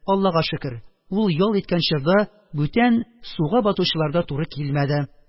Аллага шөкер, ул ял иткән чорда бүтән суга батучылар да туры килмәде